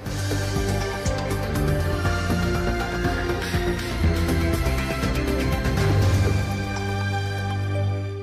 Maa